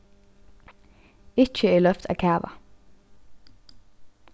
ikki er loyvt at kava